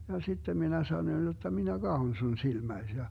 ja sitten minä sanoin jotta minä katson sinun silmäsi ja